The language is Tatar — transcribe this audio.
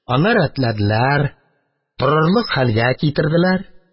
Аны рәтләделәр, торырлык хәлгә китерделәр.